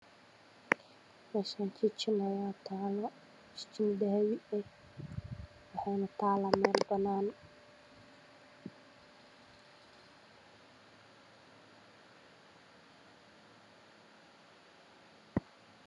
Meeshan waxaa yaalo jijin midabkeedu yahay dahabi waxa ay saaran tahay meel caddaan